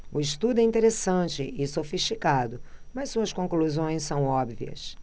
o estudo é interessante e sofisticado mas suas conclusões são óbvias